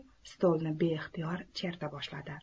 stolni beixtiyor cherta boshladi